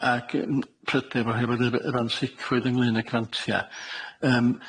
ac yym pryder oherwydd yr yr ansicrwydd ynglŷn â grantia', yym.